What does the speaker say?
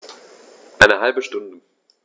Eine halbe Stunde